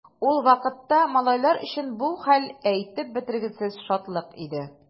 Ул вакытта малайлар өчен бу хәл әйтеп бетергесез шатлык иде.